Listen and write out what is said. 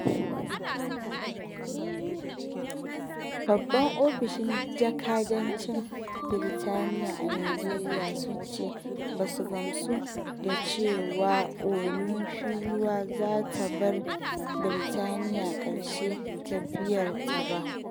Babban Ofishin Jakadancin Birtaniya a Nijeriya sun ce "ba su gamsu" da cewa Olofinlua za ta bar Birtaniya a ƙarshen tafiyarta ba.